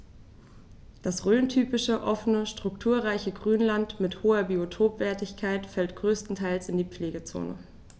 Das rhöntypische offene, strukturreiche Grünland mit hoher Biotopwertigkeit fällt größtenteils in die Pflegezone.